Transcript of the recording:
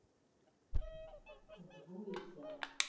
удвоить зал